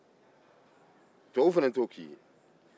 tubabu fana t'o kɛ i ye